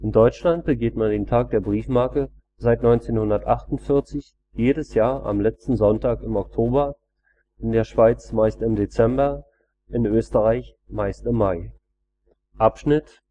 Deutschland begeht man den Tag der Briefmarke seit 1948 jedes Jahr am letzten Sonntag im Oktober, in der Schweiz meist im Dezember, in Österreich meist im Mai